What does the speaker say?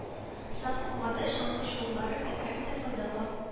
Саф һавада чаңгы шуулары бигрәк тә файдалы.